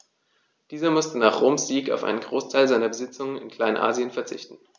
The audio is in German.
Dieser musste nach Roms Sieg auf einen Großteil seiner Besitzungen in Kleinasien verzichten.